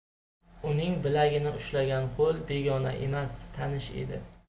uning bilagini ushlagan qo'l begona emas tanish edi